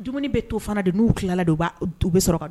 Dumuni bɛ to fana de n'u tilala de b'a du bɛ sɔrɔ